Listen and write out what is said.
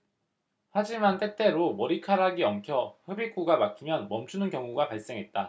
하지만 때때로 머리카락이 엉켜 흡입구가 막히면 멈추는 경우가 발생했다